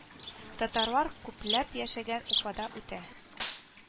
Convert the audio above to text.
Татарлар күпләп яшәгән уфада үтә